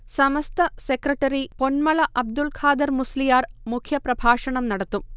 സമസ്ത secretary Ponmala Abdulkhader Musliyar മുഖ്യപ്രഭാഷണം നടത്തും